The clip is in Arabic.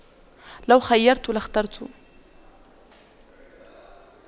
لو خُيِّرْتُ لاخترت